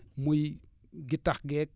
muy gittax geek